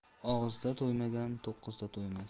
og'izda to'ymagan to'qqizda to'ymas